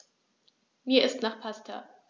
Mir ist nach Pasta.